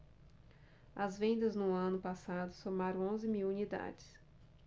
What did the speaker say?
as vendas no ano passado somaram onze mil unidades